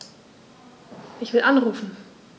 Ich will anrufen.